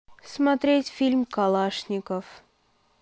смотреть фильм калашников